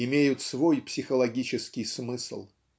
имеют свой психологический смысл.